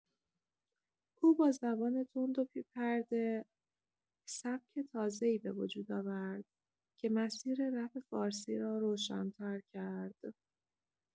او با زبان تند و بی‌پرده، سبک تازه‌ای به وجود آورد که مسیر رپ فارسی را روشن‌تر کرد.